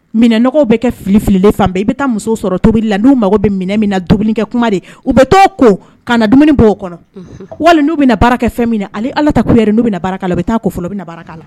Minɛɔgɔ bɛ kɛ fili fili fan i bɛ taa muso sɔrɔ tobili la nu mago bɛ min kɛ kuma de u bɛ to ko ka na dumuni bɔ o kɔnɔ walima n bɛ na baara kɛ fɛn min ale ala ta n bɛ baara la bɛ taa bɛ la